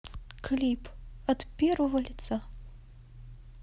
клип от первого лица